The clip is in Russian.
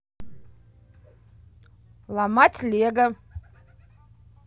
ломать лего